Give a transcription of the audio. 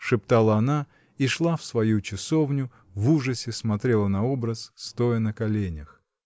— шептала она и шла в свою часовню, в ужасе смотрела на образ, стоя на коленях.